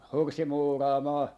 horsseja muuraamaan